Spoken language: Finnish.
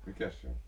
mikäs se on